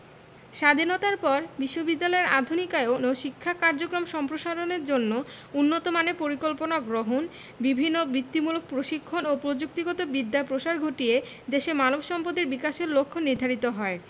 স্বাধীনতার পর বিশ্ববিদ্যালয়ের আধুনিকায়ন ও শিক্ষা কার্যক্রম সম্প্রসারণের জন্য উন্নতমানের পরিকল্পনা গ্রহণ বিভিন্ন বৃত্তিমূলক প্রশিক্ষণ ও প্রযুক্তিগত বিদ্যার প্রসার ঘটিয়ে দেশের মানব সম্পদের বিকাশের লক্ষ্য নির্ধারিত হয়